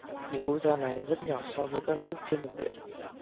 những quốc gia này rất nhỏ so với các nước trên lục địa